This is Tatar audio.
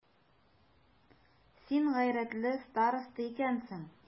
Син гайрәтле староста икәнсең.